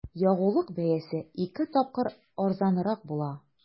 Ягулык бәясе ике тапкыр арзанрак була.